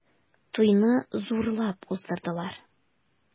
Туйны зурлап уздырдылар.